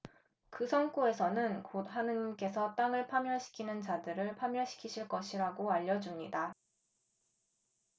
그 성구에서는 곧 하느님께서 땅을 파멸시키는 자들을 파멸시키실 것이라고 알려 줍니다